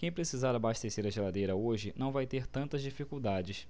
quem precisar abastecer a geladeira hoje não vai ter tantas dificuldades